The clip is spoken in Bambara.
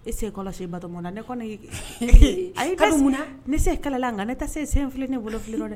E se kɔlɔsi batɔɔma na ne kɔni ne se kɛlɛ la nka ne tɛ se senfili ni bolofili la dɛ